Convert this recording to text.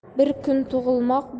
bir kun tug'ilmoq